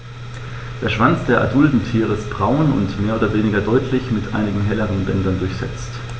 Der Schwanz der adulten Tiere ist braun und mehr oder weniger deutlich mit einigen helleren Bändern durchsetzt.